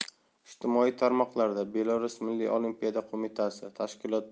ijtimoiy tarmoqlarda belarus milliy olimpiya qo'mitasida tashkilot